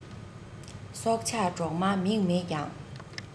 སྲོག ཆགས གྲོག མ མིག མེད ཀྱང